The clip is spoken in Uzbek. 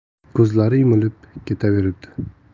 ko'zlari yumilib ketaverdi